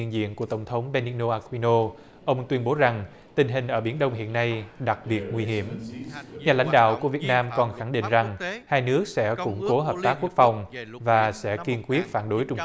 hiện diện của tổng thống be ních nô a quy nô ông tuyên bố rằng tình hình ở biển đông hiện nay đặc biệt nguy hiểm nhà lãnh đạo của việt nam còn khẳng định rằng hai nước sẽ củng cố hợp tác quốc phòng và sẽ kiên quyết phản đối trung